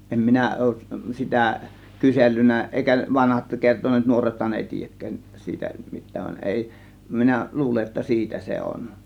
en minä ole sitä kysellyt eikä vanhat kertoneet nuorethan ei tiedäkään siitä mitään vaan ei minä luulen että siitä se on